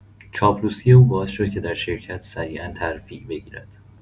چاپلوسی او باعث شد که در شرکت سریعا ترفیع بگیرد.